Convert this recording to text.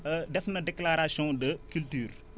def na déclaration de culture